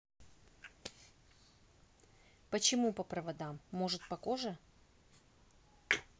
почему по проводам может по коже